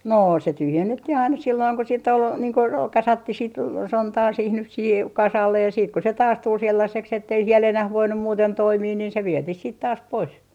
no se tyhjennettiin aina silloin kun sitten oli niin kuin - kasattiin sitten sontaa siihen nyt siihen kasalle ja ja sitten kun se taas tuli sellaiseksi että ei siellä enää voinut muuten toimia niin se vietiin sitten taas pois